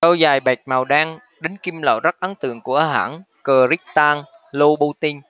đôi giày bệt màu đen đính kim loại rất ấn tượng của hãng christian louboutin